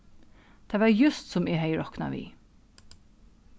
tað var júst sum eg hevði roknað við